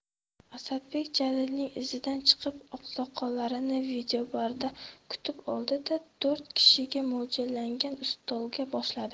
asadbek jalilning izidan chiqib oqsoqollarni videobarda kutib oldi da to'rt kishiga mo'ljallangan ustolga boshladi